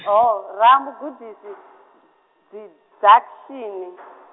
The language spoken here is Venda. o ravhugudisi, didactiani .